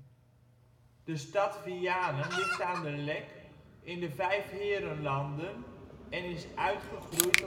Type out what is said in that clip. stad Vianen ligt aan de Lek in de Vijfheerenlanden en is uitgegroeid